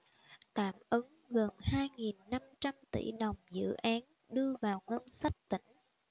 tạm ứng gần hai nghìn năm trăm tỷ đồng dự án đưa vào ngân sách tỉnh